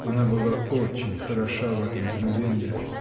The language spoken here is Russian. Она была очень хороша в это мгновенье.